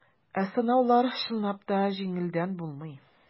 Ә сынаулар, чынлап та, җиңелдән булмый.